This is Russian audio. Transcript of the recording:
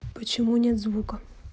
почему нет звука